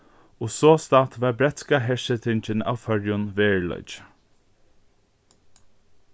og sostatt varð bretska hersetingin av føroyum veruleiki